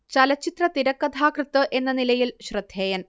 ചലച്ചിത്ര തിരക്കഥാകൃത്ത് എന്ന നിലയിൽ ശ്രദ്ധേയൻ